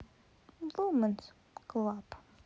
вуменс клаб